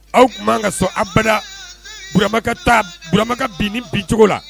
Aw tun ka sɔn abada bma taa bma bin ni bi cogo la